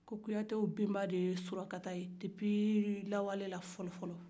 ko kuyatew benba de ye sulakata ye kabiri wakati jan tɛmɛnew